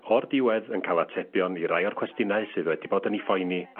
...o'r diwedd yn ca'l atebion i rai o'r cwestinau sydd wedi bod yn 'i phoeni